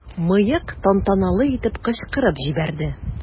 "мыек" тантаналы итеп кычкырып җибәрде.